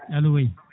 allo ouais